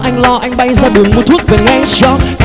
anh lo anh bay ra đường mua thuốc về ngay cho